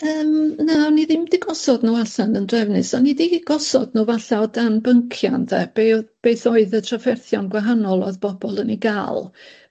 Yym na, o'n i ddim 'di gosod nw allan yn drefnus, o'n i 'di gosod nw falle o dan byncia' ynde, be' o' beth oedd y trafferthion gwahanol o'dd bobol yn 'u ga'l.